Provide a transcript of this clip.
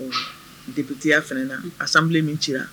Dugutigibitiya fana na a sanbilen min ci